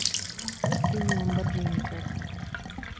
синий lamborghini текст